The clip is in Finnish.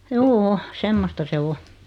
juu semmoista se on